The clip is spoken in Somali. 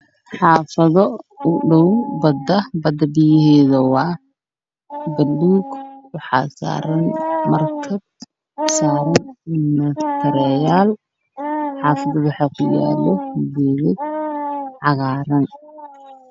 Waa xaafado u dhaw bada